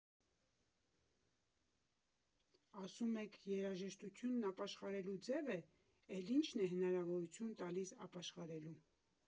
Ասում եք՝ երաժշտությունն ապաշխարելու ձև է, էլ ի՞նչն է հնարավորություն տալիս ապաշխարելու։